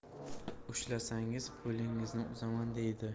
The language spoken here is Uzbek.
ushlasangiz qo'lingizni uzaman deydi